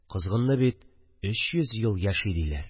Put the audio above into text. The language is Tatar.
Козгынны бит өч йөз ел яши диләр